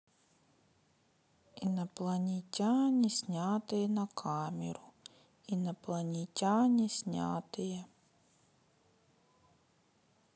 инопланетяне снятые на камеру инопланетяне снятые